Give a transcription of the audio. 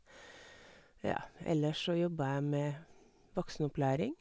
Ja, ellers så jobber jeg med voksenopplæring.